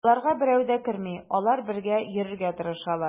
Аларга берәү дә керми, алар бергә йөрергә тырышалар.